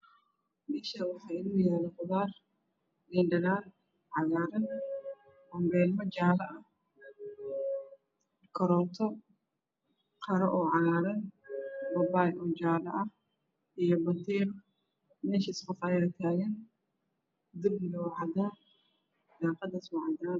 Meshaan waxa ino yala Khudaar liin dhanan cagaran Banbeelmo Jaale ah karoto Qare oo cagaran babaay oo jale ah iyo batiiq meshas qof aya taagan darbiga waa cadan daqadasna waa cadaan